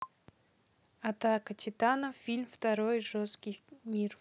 атака титанов фильм второй жестокий мир